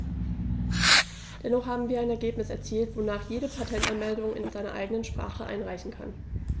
Dennoch haben wir ein Ergebnis erzielt, wonach jeder Patentanmeldungen in seiner eigenen Sprache einreichen kann.